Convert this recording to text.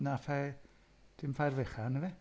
Na ffair... Dim Ffair Fechan ife?